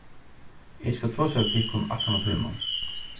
eg skal tosa við tykkum aftan á tíman